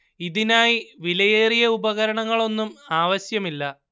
ഇതിനായി വിലയേറിയ ഉപകരണങ്ങളൊന്നും ആവശ്യമില്ല